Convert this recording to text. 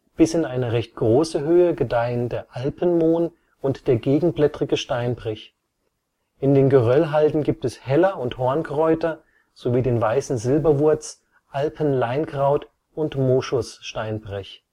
Bis in eine recht große Höhe gedeihen der Alpen-Mohn und der Gegenblättrige Steinbrech. In den Geröllhalden gibt es Heller - und Hornkräuter sowie den Weißen Silberwurz, Alpenleinkraut und Moschus-Steinbrech